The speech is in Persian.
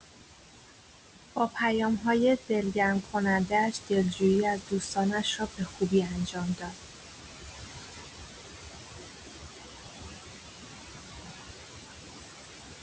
با پیام‌های دلگرم‌کننده‌اش، دلجویی از دوستانش را به خوبی انجام داد.